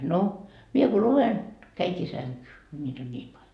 no minä kun luen kävinkin sänkyyn kun niitä on niin paljon